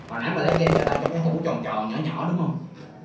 hồi nãy mày lấy kem cho tao trong cái hủ tròn tròn nhỏ nhỏ đúng không